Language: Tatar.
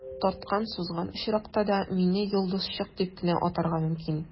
Тарткан-сузган очракта да, мине «йолдызчык» дип кенә атарга мөмкин.